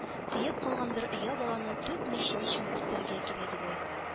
Төяп калган бер оя баланы түкми-чәчми үстерергә кирәк иде